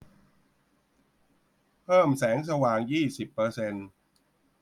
เพิ่มแสงสว่างยี่สิบเปอร์เซ็น